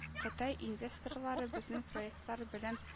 «кытай инвесторлары безнең проектлар белән